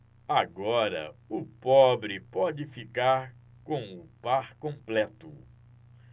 agora o pobre pode ficar com o par completo